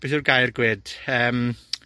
beth yw'r gair gwed, yym,